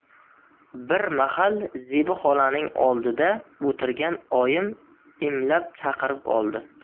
bir mahal zebi xolaning oldida o'tirgan oyim imlab chaqirib qoldi